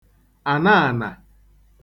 ànaànà